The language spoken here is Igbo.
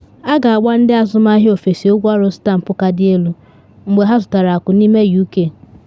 A ga-agba ndị azụmahịa ofesi ụgwọ ọrụ stampụ ka dị elu mgbe ha zụtara akụ n’ime UK